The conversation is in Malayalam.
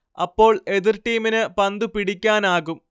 അപ്പോൾ എതിർ ടീമിന് പന്തു പിടിക്കാനാകും